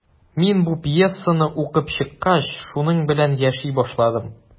Мин бу пьесаны укып чыккач, шуның белән яши башладым.